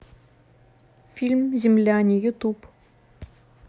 фильм земляне ютуб